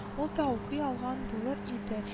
Ул да укый алган булыр иде